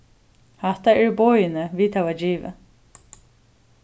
hatta eru boðini vit hava givið